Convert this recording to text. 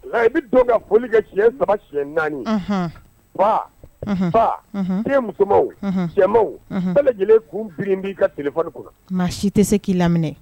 I bɛ don ka foli kɛ tiɲɛyɛn saba si naani fa fa musomanma bɛɛ lajɛlen kun b'i ka tilerin kunna maa si tɛ se k'i laminɛ